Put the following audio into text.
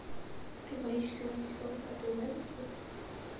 ты боишься увидеть волосатую задницу